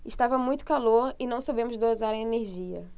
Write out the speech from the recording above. estava muito calor e não soubemos dosar a energia